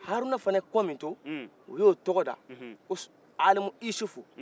haruna fana ye kɔ min to u y'o tɔgɔda ko alimu isufu